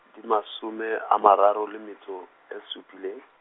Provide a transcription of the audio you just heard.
di mashome a mararo le metso, e supileng.